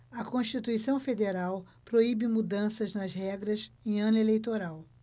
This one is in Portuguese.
a constituição federal proíbe mudanças nas regras em ano eleitoral